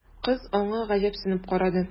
Кыз аңа гаҗәпсенеп карады.